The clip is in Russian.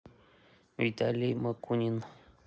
виталий макунин